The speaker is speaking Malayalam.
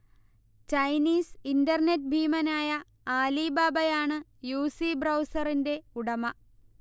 ചൈനീസ് ഇന്റർനെറ്റ് ഭീമനായ ആലിബാബയാണ് യുസി ബ്രൗസറിന്റെ ഉടമ